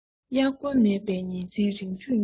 དབྱར དགུན མེད པར ཉིན མཚན རིང འཐུང སྙོམས